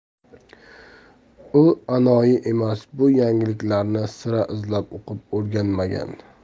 u anoyi emas bu yangiliklarni sira izlab o'qib o'rganmagan